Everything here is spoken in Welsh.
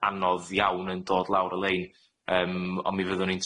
anodd iawn yn dod lawr y lein yym ond mi fyddwn ni'n